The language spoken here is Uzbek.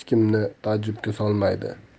hech kimni taajjubga solmaydi